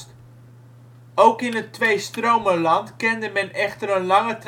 in het Tweestromenland kende men echter een lange traditie